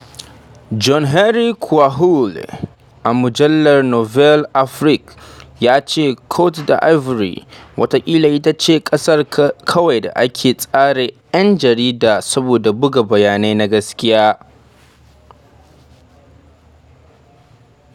John Henry Kwahulé a mujallar Nouvelle Afrique ya ce, Côte d'Ivoire watakila ita ce kawai ƙasar da ake tsare ‘yan jarida saboda buga bayanai na gaskiya.